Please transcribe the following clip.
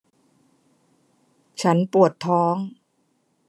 ฉันปวดท้อง